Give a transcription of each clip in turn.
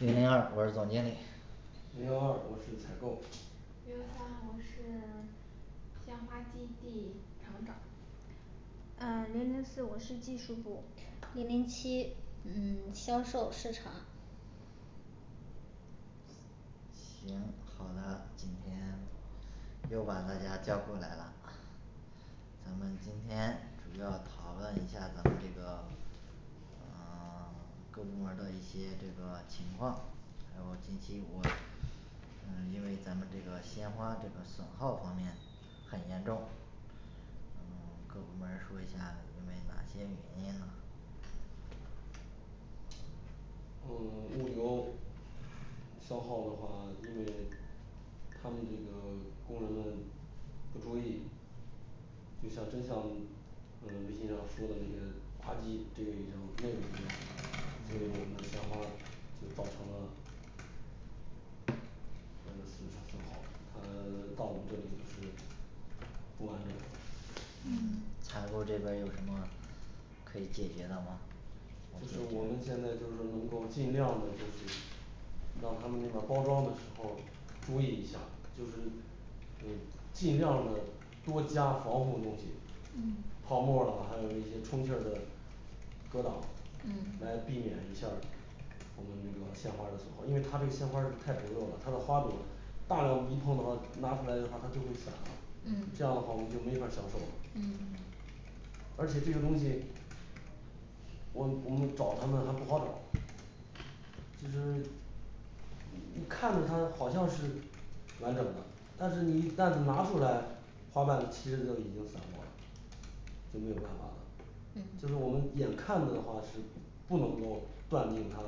零零二我是总经理零幺二我是采购零幺三我是 鲜花基地厂长呃零零四我是技术部零零七嗯销售市场行好的，今天又把大家叫过来了咱们今天主要讨论一下咱们这个嗯 各部门儿的一些这个情况，还有我近期我嗯因为咱们这个鲜花这个损耗方面很严重嗯各部门儿说一下，因为哪些原因呢？嗯物流消耗的话，因为他们这个工人们不注意就像真像嗯微信上说的那些啪叽这个一扔那个一扔，所以我们的鲜花儿就造成了呃损失损耗，它到我们这里就是不完整了。采购这边儿有什么可以解决的吗？就是我们现在就是能够尽量的就是让他们那边儿包装的时候，注意一下，就是呃尽量的多加防护东西嗯泡沫啦，还有一些充气儿的搁倒嗯，来避免一下儿我们这个鲜花儿的损耗，因为它这个鲜花儿是太薄弱了，它的花朵大量一碰的话拿出来的话它就会散了，这嗯样的话我们就没法儿销售了嗯而且这个东西我我们找他们还不好找其实你你看着它好像是完整的但是你一旦拿出来花瓣呢其实就已经散落了就没有办法了。就是嗯我们眼看着的话是不能够断定它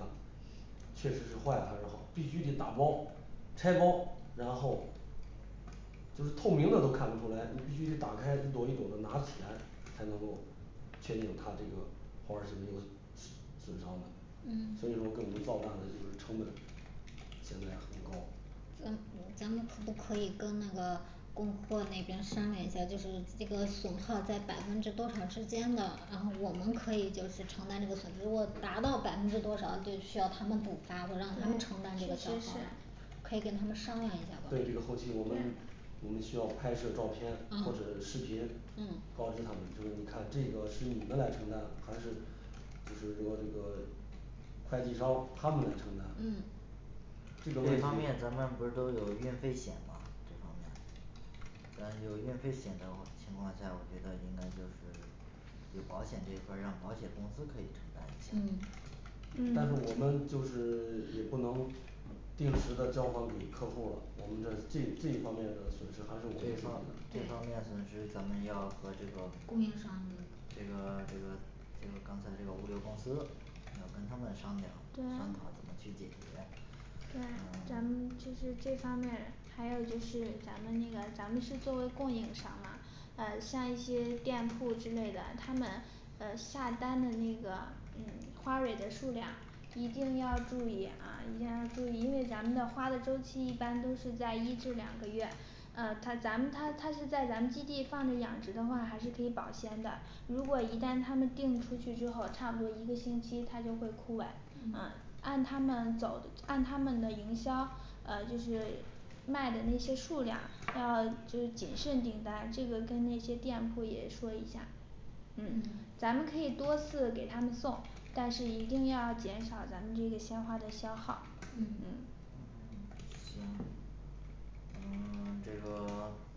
确实是坏还是好，必须得打包拆包，然后就是透明的都看不出来，你必须得打开一朵一朵的拿起来，才能够确定它这个花儿是没有损 损伤的。所以说嗯给我们造办的这个成本现在很高，，嗯咱们可不可以跟那个供货那边商量一下就是这个损耗在百分之多少之间的，然后我们可以就是承担这个损失，如果达到百分之多少就需要他们补发或让他们承担这个对消确实是耗了可以跟他们商量一下儿对这个吧后期我们我们需要拍摄照片或者啊是视频嗯告知他们，就是你看这个是你们来承担还是就是说这个快递商他们来承担。嗯这这个问题方面咱们不是都有运费险吗？这方面当然有运费险的话情况下，我觉得应该就是有保险这一块儿让保险公司可以承担一下嗯但是嗯我们就是 也不能嗯定时的交还给客户儿了，我们的这这一方面的损失还是我们自己的这方面损失，咱们要和这个供应商这个这个刚才这个物流公司要跟他们商量商量对好怎么去解决。对咱们其实这方面，还有就是咱们这个咱们是作为供应商嘛呃像一些店铺之类的，他们呃下单的那个嗯花蕊的数量一定要注意啊，一定要注意因为咱们的花的周期一般都是在一至两个月呃他咱们他他是在咱们基地放着养殖的话还是可以保鲜的，如果一旦他们定出去之后，差不多一个星期它就会枯萎嗯嘛啊，按他们走，按他们的营销呃就是卖的那些数量要就谨慎订单这个跟那些店铺也说一下嗯咱们可以多次给他们送，但是一定要减少咱们这个鲜花的消耗。嗯嗯行嗯 这个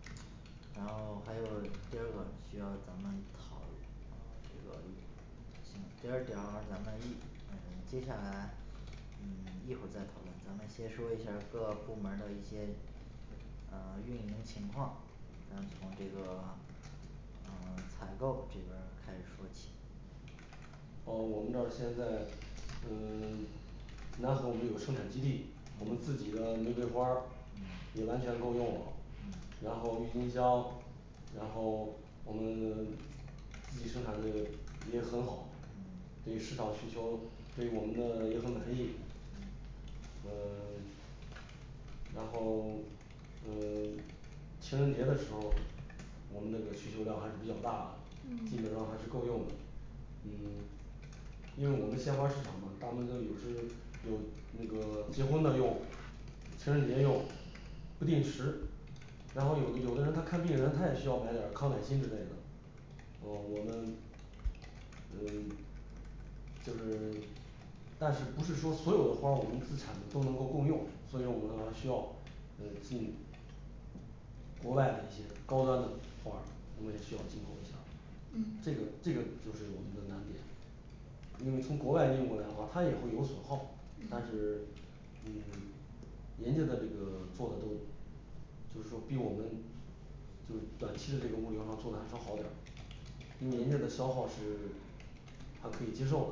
然后还有第二个需要咱们讨论第二条儿两个异议，我们接下来嗯一会儿再讨论，咱们先说一下各部门儿的一些啊运营情况。咱从这个嗯采购这边儿开始说起啊我们这儿现在嗯 南和我们有生产基地，我们自己的玫瑰花儿嗯也完全够用了嗯然后郁金香，然后我们自己生产的也很好，对市场需求对我们的也很满意。嗯 然后 嗯 情人节的时候儿我们那个需求量还是比较大的，基嗯本上还是够用的。嗯 因为我们鲜花儿市场嘛大部分都有是有那个结婚的用，情人节用，不定时，然后有的有的人他看病人他也需要买点儿康乃馨之类的，呃我们嗯就是 但是不是说所有的花儿我们自产都能够够用，所以我们要需要呃进国外的一些高端的花儿，我们也需要进口一下儿，这嗯个这个就是我们的难点。因为从国外运过来的话，它也会有损耗，但嗯是嗯人家的这个做的都就是说比我们就短期的这个物流上做的还稍好点儿，因为人家的消耗是还可以接受的。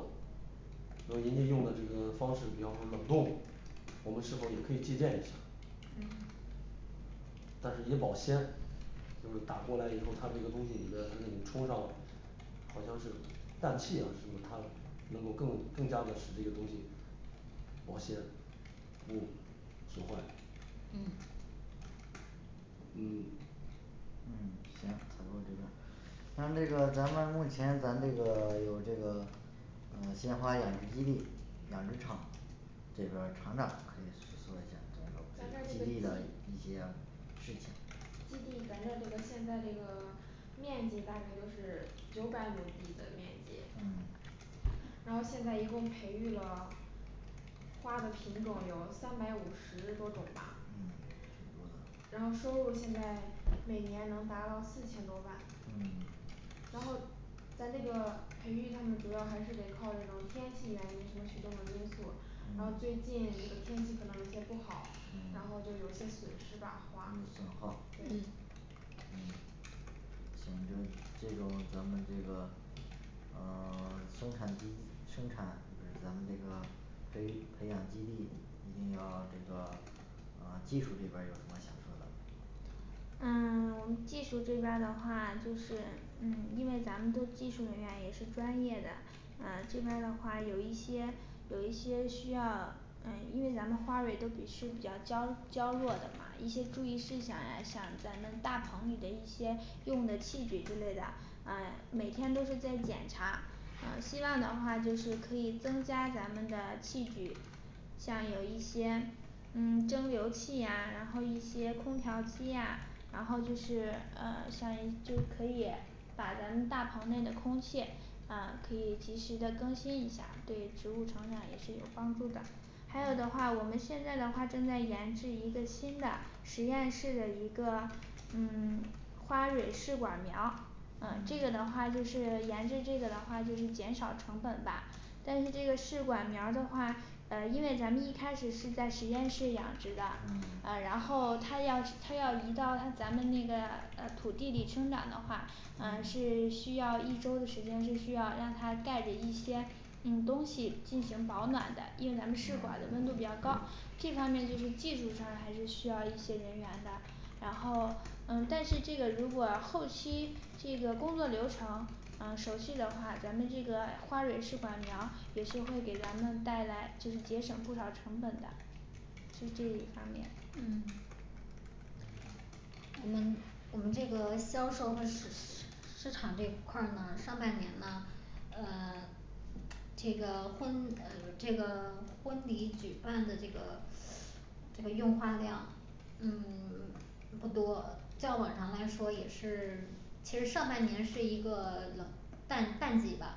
那么人家用的这个方式，比方说冷冻，我们是否也可以借鉴一下儿，嗯但是也保鲜，就是打过来以后他那个东西里边儿他就给你充上了，好像是氮气啊什么，它能够更更加的使这个东西保鲜不损坏嗯嗯嗯行，采购这边儿，咱这个咱们目前咱这个有这个嗯鲜花养殖基地养殖厂这边儿厂长可以说一下这咱这儿个这基地个的基一些事情基地咱这现在这个面积大概就是九百亩地的面积，嗯然后现在一共培育了花的品种有三百五十多种吧嗯然后收入现在每年能达到四千多万。嗯然后咱这个培育它们主要还是得靠这种天气原因什么驱动的因素，然后最近这个天气可能有些不好，然嗯后就有些损失吧花损耗。对嗯嗯行这个这种咱们这个啊 生产第一生产不是咱们这个培育 培养基地一定要这个呃技术这边儿有什么想说的？嗯 我们技术这边儿的话，就是嗯因为咱们都技术人员也是专业的啊这边儿的话有一些有一些需要，呃因为咱们花蕊都比是比较娇娇弱的嘛一些注意事项呀，像咱们大棚里的一些用的器具之类的，啊每天都是在检查呃希望的话就是可以增加咱们的器具像有一些嗯蒸馏器呀，然后一些空调机呀然后就是呃把一些可以把咱们大棚内的空气啊可以及时的更新一下，对植物成长也是有帮助的。还有的话，我们现在的话正在研制一个新的实验室的一个嗯花蕊试管苗呃嗯这个的 话就是研制这个的话就是减少成本吧但是这个试管苗儿的话呃因为咱们一开始是在实验室养殖的嗯 呃然后它要它要移到咱们那个土地里生长的话呃嗯是 需要一周的时间，是需要让它带着一些嗯东西进行保暖的，因为咱们试管儿的温度比较高，这方面就是技术上还是需要一些人员的。然后嗯但是这个如果后期这个工作流程呃手续的话，咱们这个花蕊试管苗儿也是会给咱们带来就是节省不少成本的，是这一方面。嗯嗯我们这个销售是 市场这一块儿呢上半年呢呃这个婚呃这个婚礼举办的这个这个用花量嗯 不多较往常来说，也是其实上半年是一个 冷淡淡季吧，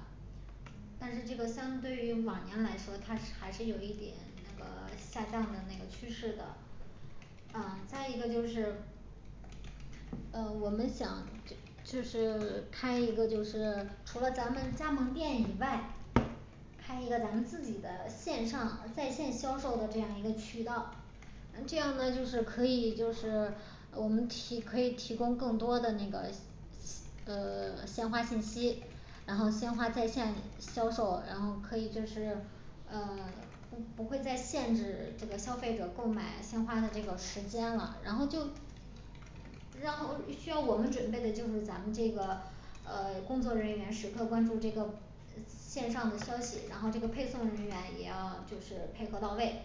但是这个相对于往年来说，它是还是有一点那个下降的那个趋势的。呃再一个就是呃我们想就是开一个就是除了咱们加盟店以外，开一个咱们自己的线上在线销售的这样一个渠道这样呢就是可以就是我们提可以提供更多的那个呃鲜花信息，然后鲜花在线销售，然后可以就是呃 不不会再限制这个消费者购买鲜花的这个时间了，然后就然后需要我们准备的就是咱们这个呃工作人员时刻关注这个线上的消息，然后这个配送人员也要就是配合到位。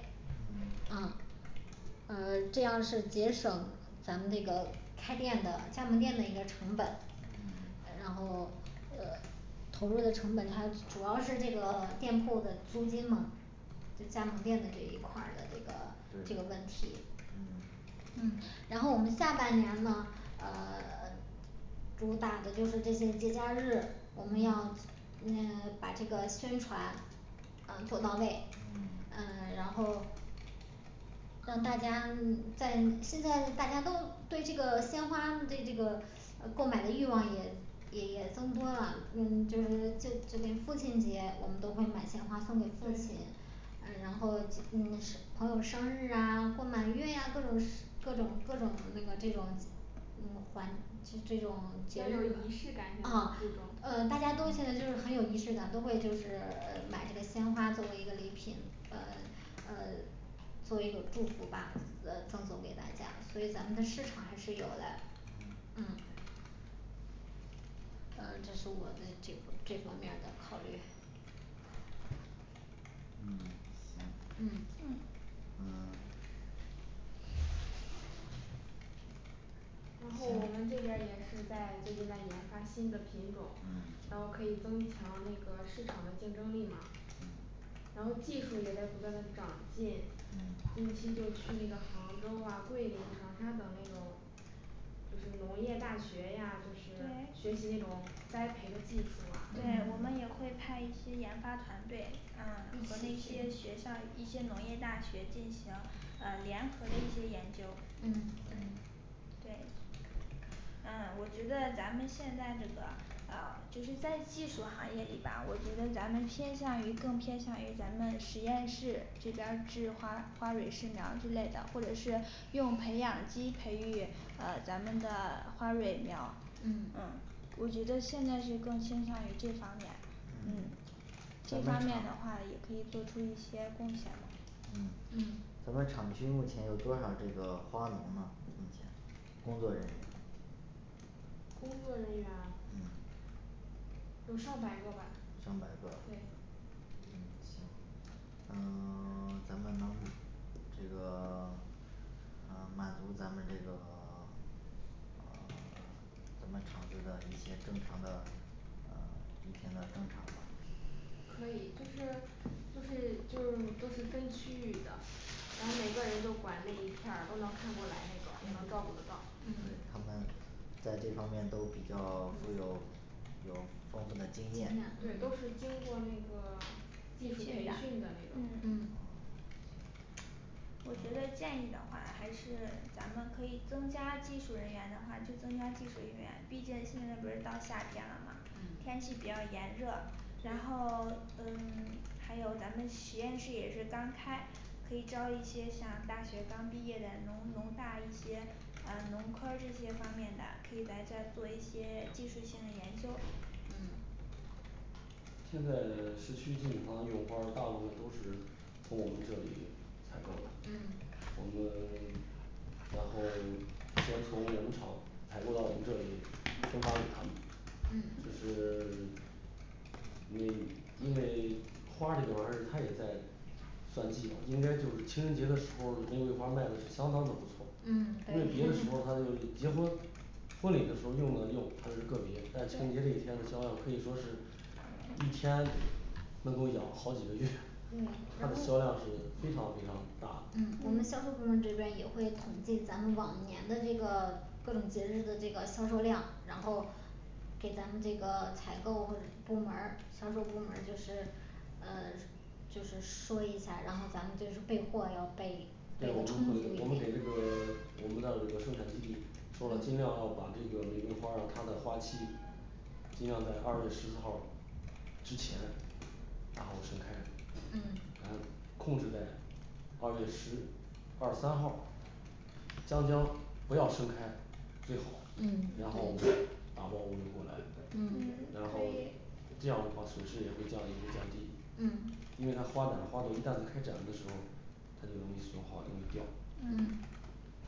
嗯呃这样是节省咱们这个开店的加盟店的一个成本。然后呃投入的成本，它主要是这个店铺的租金嘛对加盟店的这一块儿的这个这个对问题。嗯嗯然后我们下半年呢呃 主打的就是这些节假日，我们要那个把这个宣传啊做到位嗯呃然后让大家嗯在现在大家都对这个鲜花对这个购买的欲望也也也增多啦，嗯就是作作为父亲节我们都会买鲜花送给父对亲嗯然后嗯是朋友生日啊过满月呀各都是各种各种那个这种嗯环就这种要有仪式感现在都哦注重呃大家都现在就是很有仪式感，都会就是买一个鲜花儿作为一个礼品呃呃作为一个祝福吧，呃赠送给大家，所以咱们的市场还是有的。嗯呃这是我的这这方面的考虑。嗯行嗯嗯嗯然后我们这边儿也是在最近在研发新的品种嗯，然后可以增强那个市场的竞争力嘛？嗯然后技术也在不断的长进，嗯近期就去那个杭州啊桂林长沙等那种就是农业大学呀就是对学习那种栽培的技术啊对，我们也会派一些研发团队，呃和那些学校，一些农业大学进行啊联合的一些研究嗯，对对嗯我觉得咱们现在这个呃就是在技术行业里吧，我觉得咱们偏向于更偏向于咱们实验室这边儿质花花蕊生长之类的，或者是用培养基培育呃咱们的花蕊苗儿嗯嗯我觉得现在是更倾向于这方面。嗯一方面的话也可以做出一些贡献。嗯嗯咱们厂区目前有多少这个花农啊目前工作人员。工作人员嗯有上百个吧上百个对嗯行呃 咱们能这个 呃满足咱们这个 咱们厂子的一些正常的呃一天的正常的可以。就是就是就都是分区域的。反正每个人都管那一片儿都能看过来，那种也嗯能照顾得到 嗯对他们在这方面都比较富有。有丰富的经经验验，对，都是经过那个技术培训的那种。嗯嗯我觉得嗯建议的话还是咱们可以增加技术人员的话就增加技术人员，毕竟现在不是到夏天了嘛，天气比较炎热，然对后 嗯还有咱们实验室也是刚开可以招一些像大学刚毕业的农农大一些呃农科儿这些方面的，可以来这儿做一些技术性的研究嗯现在 市区基本上用花儿大部分都是从我们这里采购的嗯我们 然后先从我们厂采购到我们这里分发给他们嗯这是 因为因为花儿这个玩意儿它也在算季吧，应该就是情人节的时候儿，玫瑰花儿卖的是相当的不错，嗯因为别的时候儿他就结婚婚礼的时候用的用他是个别，但情人节那天的销量可以说是一天能够养好几个月， 嗯它的销量是非常非常大嗯我们销售部门这边也会统计咱们往年的这个各种节日的这个销售量，然后给咱们这个采购部部门儿，销售部门儿就是呃就是说一下，然后咱们就是备货要备，对我们会我们给这个我们的那个生产基地说了，尽量要把这个玫瑰花儿让它的花期尽量在二月十四号儿之前然后盛开嗯然后控制在二月十二三号儿将将不要盛开最好嗯。然后我们打包物流过来嗯嗯然可以后。这样的话损失也会降也会降低嗯。因为它花粉花朵一旦是开展的时候儿它就容易损耗容易掉。嗯